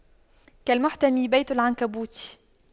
كالمحتمي ببيت العنكبوت